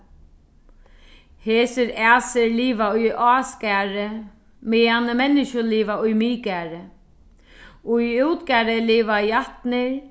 hesir æsir liva í ásgarði meðan menniskju liva í miðgarði og í útgarði liva jatnir